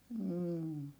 mm